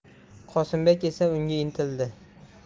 qosimbek esa unga intildi